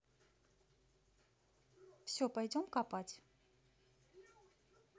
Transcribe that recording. все пойдем копать